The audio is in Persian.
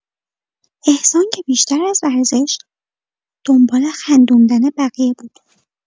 احسان که بیشتر از ورزش، دنبال خندوندن بقیه بود.